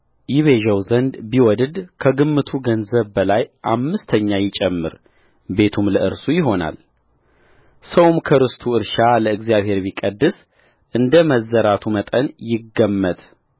ይቤዠው ዘንድ ቢወድድ ከግምቱ ገንዘብ በላይ አምስተኛ ይጨምር ቤቱም ለእርሱ ይሆናልሰውም ከርስቱ እርሻ ለእግዚአብሔር ቢቀድስ እንደ መዘራቱ መጠን ይገመት